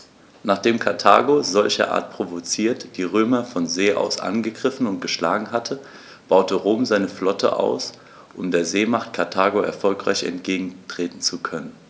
Nachdem Karthago, solcherart provoziert, die Römer von See aus angegriffen und geschlagen hatte, baute Rom seine Flotte aus, um der Seemacht Karthago erfolgreich entgegentreten zu können.